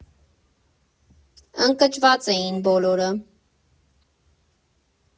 Ընկճված էին բոլորը։